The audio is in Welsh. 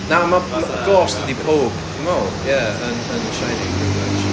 na ma' fatha ghost ydi pawb dwi meddwl ia yn yn The Shining pretty much